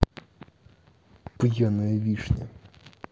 пьяная вишня